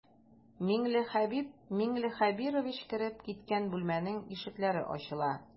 Миңлехәбиб миңлехәбирович кереп киткән бүлмәнең ишекләре ачыла.